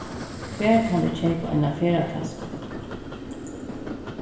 hvar kann eg keypa eina ferðatasku